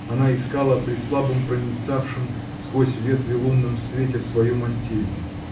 Она искала, при слабом, проницавшем сквозь ветви лунном свете, свою мантилью.